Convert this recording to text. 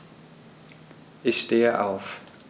Ich stehe auf.